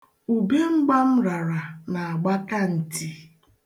Ubemgba m rara na-agbaka ntị.